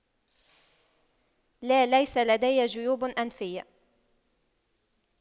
لا ليس لدي جيوب أنفية